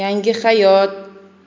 yangi hayot